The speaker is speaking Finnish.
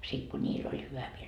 sitten kun niillä oli hyvä mieli